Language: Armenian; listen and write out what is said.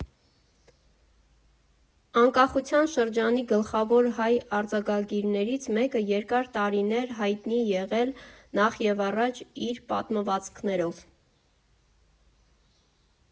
Անկախության շրջանի գլխավոր հայ արձակագիրներից մեկը երկար տարիներ հայտնի եղել նախևառաջ իր պատմվածքներով։